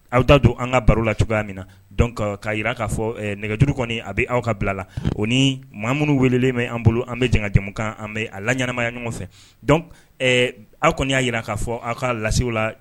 Aw da don an ka baro la cogoya min na donc ka jira k'a fɔ ɛ nɛgɛjuru kɔni a bɛ aw ka bila la o ni ma minnu wele len bɛ aw bolo aw bɛ jen ka jenjamukan la ɲɛnɛmaya ɲɔngɔn fɛ donc ɛɛ aw kɔni ya jjira k'a fɔ aw ka lasew la